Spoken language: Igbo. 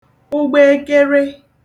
ụgbọ ekere